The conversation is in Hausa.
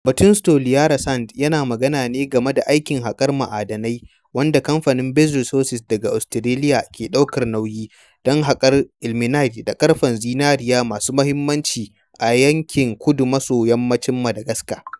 Batun Toliara Sands yana magana ne game da aikin haƙar ma'adinai wanda kamfanin Base Resources daga Ostareliya ke ɗaukar nauyi, don haƙar ilmenite da ƙarafan zinariya masu mahimmanci a yankin kudu maso yammacin Madagascar.